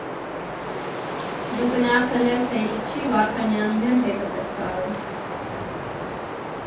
Դու գնացել ես, հերիք չի, Վարդանյանին էլ հետդ ես տարել։